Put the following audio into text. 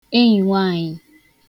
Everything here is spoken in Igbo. enyì nwaànyị̀